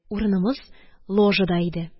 Урынымыз ложада иде